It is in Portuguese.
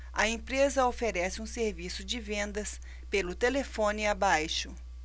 a empresa oferece um serviço de vendas pelo telefone abaixo